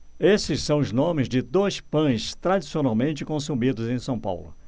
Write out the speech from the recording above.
esses são os nomes de dois pães tradicionalmente consumidos em são paulo